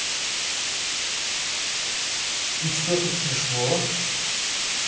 и что тут смешного